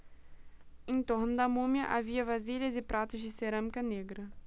em torno da múmia havia vasilhas e pratos de cerâmica negra